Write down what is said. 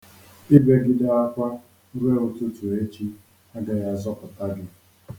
Ibegide akwa ruo ụtụtụ echi agaghị azọpụta gị.